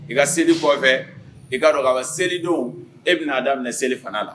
I ka seli kɔfɛ i ka dɔn a selidon e bɛna'a daminɛ selifana la